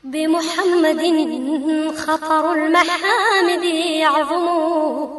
Denmumugɛnintangɛnin yo